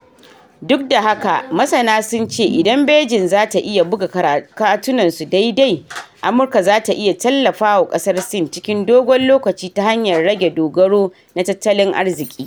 Duk da haka, masana sun ce idan Beijing za ta iya buga katunansa daidai, Amurka za ta iya tallafawa kasar Sin cikin dogon lokaci ta hanyar rage- dogaro na tattalin arziki.